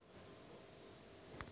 умочка буква ю